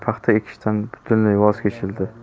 paxta ekishdan butunlay voz kechildi